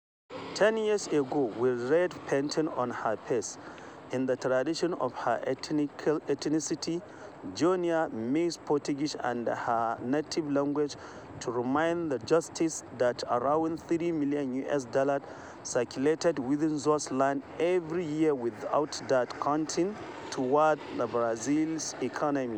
Ten years ago, with red painting on her face, in the tradition of her ethnicity, Joenia mixed Portuguese and her native language to remind the Justices that around three million US dollars circulated within those lands every year without that counting towards the Brazil's economy.